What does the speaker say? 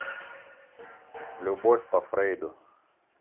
любовь по фрейду